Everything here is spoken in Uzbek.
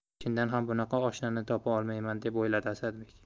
chindan ham bunaqa oshnani topa olmayman deb o'yladi asadbek